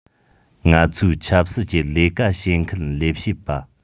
ང ཚོའི ཆབ སྲིད ཀྱི ལས ཀ བྱེད མཁན ལས བྱེད པ